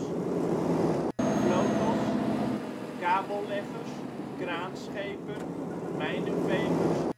Flotels Kabelleggers Kraanschepen Mijnenvegers